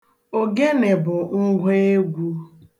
Ogene bụ ngwa egwu.